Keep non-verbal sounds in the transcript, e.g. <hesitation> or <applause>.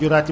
<hesitation> <hesitation>